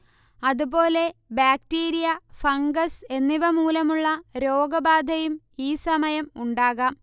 അതുപോലെ bacteria, fungus എന്നിവമൂലമുള്ള രോഗബാധയും ഈസമയം ഉണ്ടാകാം